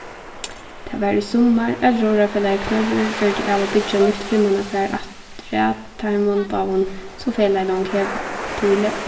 tað var í summar at róðrarfelagið knørrur gjørdi av at byggja nýtt fimmmannafar aftur at teimum báðum sum felagið longu hevur píli